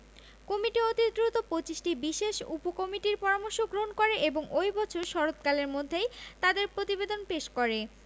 committee অতি দ্রুত ২৫টি বিশেষ উপকমিটির পরামর্শ গ্রহণ করে এবং ওই বছর শরৎকালের মধ্যেই তাদের প্রতিবেদন পেশ করে